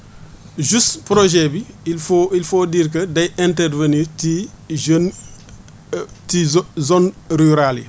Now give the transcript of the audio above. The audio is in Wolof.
juste projet bi il faut il faut dire que day intervenir ci jeune ci zone rural yi